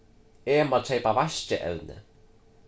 eg má keypa vaskievni